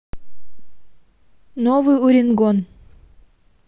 новый уренгон